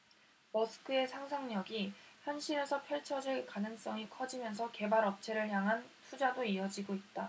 머스크의 상상력이 현실에서 펼쳐질 가능성이 커지면서 개발업체를 향한 투자도 이어지고 있다